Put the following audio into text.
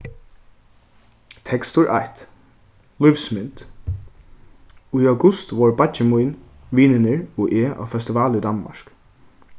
tekstur eitt lívsmynd í august vóru beiggi mín vinirnir og eg á festival í danmark